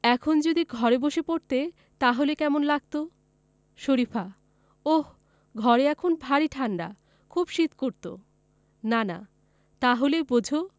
এখন যদি ঘরে বসে পড়তে তাহলে কেমন লাগত শরিফা ওহ ঘরে এখন ভারি ঠাণ্ডা খুব শীত করত নানা তা হলেই বোঝ